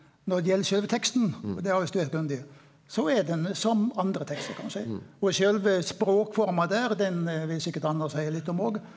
når det gjeld sjølve teksten, og det har vi studert grundig, så er den som andre tekster kan du seie og sjølve språkforma der den vil sikkert Anna seie litt om òg.